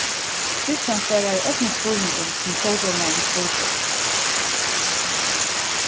kristian svaraði øllum spurningum sum próvdómarin spurdi